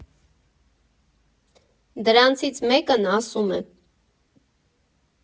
Դրանցից մեկն ասում է.